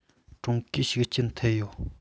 ཀྲུང གོའི ཤུགས རྐྱེན ཐེབས ཡོད